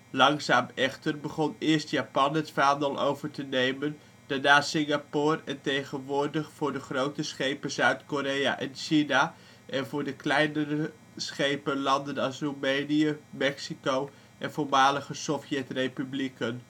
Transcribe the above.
Langzaam echter begon eerst Japan het vaandel over te nemen, daarna Singapore en tegenwoordig voor de grote schepen Zuid-Korea en China en voor de kleinere schepen landen als Roemenië, Mexico en voormalige Sovjet republieken